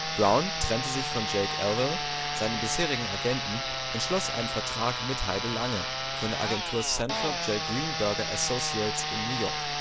Brown trennte sich von Jake Elwell, seinem bisherigen Agenten, und schloss einen Vertrag mit Heide Lange von der Agentur Sanford J. Greenburger Associates in New York